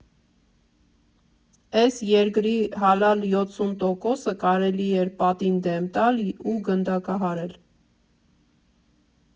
Էս երգրի հալալ յոթսուն տոկոսը կարելի էր պատին դեմ տալ ու գնդակահարել։